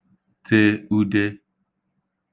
tē ūdē